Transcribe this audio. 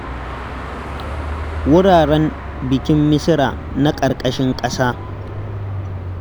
Wuraren bikin Misira na ƙarƙashin ƙasa.